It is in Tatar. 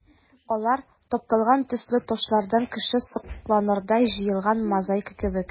Алар тапталган төсле ташлардан кеше сокланырдай җыелган мозаика кебек.